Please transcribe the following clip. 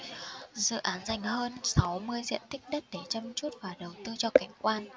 dự án dành hơn sáu mươi diện tích đất để chăm chút và đầu tư cho cảnh quan